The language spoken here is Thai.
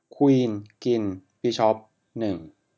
ควีนกินบิชอปหนึ่ง